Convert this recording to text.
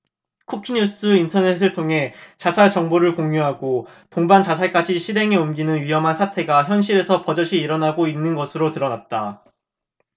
쿠키뉴스 인터넷을 통해 자살 정보를 공유하고 동반자살까지 실행에 옮기는 위험한 사태가 현실에서 버젓이 일어나고 있는 것으로 드러났다